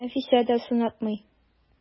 Нәфисә дә сынатмый.